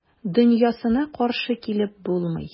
Дөньясына каршы килеп булмый.